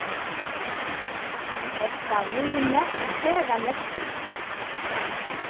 hetta vínið er sera leskiligt